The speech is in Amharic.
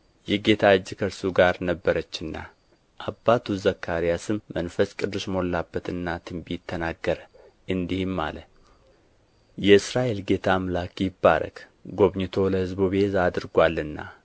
የጌታ እጅ ከእርሱ ጋር ነበረችና አባቱ ዘካርያስም መንፈስ ቅዱስ ሞላበትና ትንቢት ተናገረ እንዲህም አለ የእስራኤል ጌታ አምላክ ይባረክ ጐብኝቶ ለሕዝቡ ቤዛ አድርጎአልና